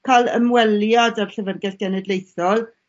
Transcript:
ca'l ymweliad â'r Llyfyrgell Genedlaethol